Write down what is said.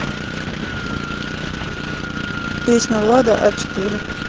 песня влада а четыре